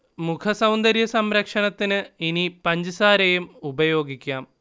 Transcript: മുഖ സൗന്ദര്യ സംരക്ഷണത്തിന് ഇനി പഞ്ചസാരയും ഉപയോഗിക്കാം